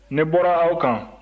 ne bɔra aw kan